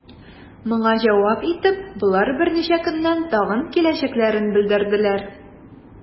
Моңа җавап итеп, болар берничә көннән тагын киләчәкләрен белдерделәр.